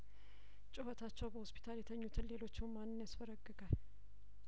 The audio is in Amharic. ጩኸታቸው በሆስፒታል የተኙትን ሌሎች ህሙማን ያስበረግጋል